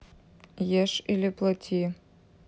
ешь или плати